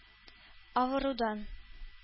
Авырудан